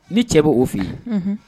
Ne cɛ bɛ o fɛi